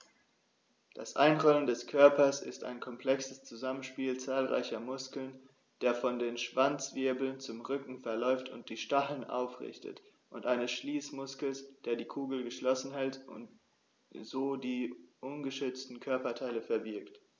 Das Einrollen des Körpers ist ein komplexes Zusammenspiel zahlreicher Muskeln, der von den Schwanzwirbeln zum Rücken verläuft und die Stacheln aufrichtet, und eines Schließmuskels, der die Kugel geschlossen hält und so die ungeschützten Körperteile verbirgt.